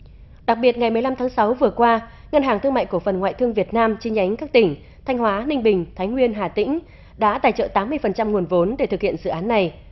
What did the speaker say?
đặc biệt ngày mười lăm tháng sáu vừa qua ngân hàng thương mại cổ phần ngoại thương việt nam chi nhánh các tỉnh thanh hóa ninh bình thái nguyên hà tĩnh đã tài trợ tám mươi phần trăm nguồn vốn để thực hiện dự án này